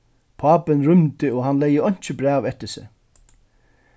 pápin rýmdi og hann legði einki bræv eftir seg